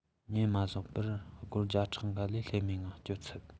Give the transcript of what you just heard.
ཉམས མ བཞག པར སྒོར བརྒྱ ཕྲག འགའ ལས སླ མོའི ངང སྤྱད ཚར